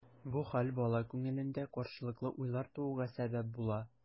Бу хәл бала күңелендә каршылыклы уйлар тууга сәбәп була.